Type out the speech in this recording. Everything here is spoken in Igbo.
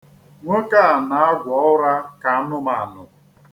Nwoke a na-agwọ ụra ka anụmanụ.